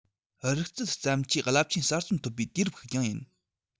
རིག རྩལ བརྩམས ཆོས རླབས ཆེན གསར རྩོམ ཐུབ པའི དུས རབས ཤིག ཀྱང ཡིན